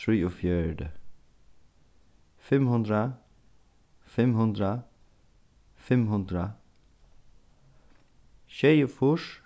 trýogfjøruti fimm hundrað fimm hundrað fimm hundrað sjeyogfýrs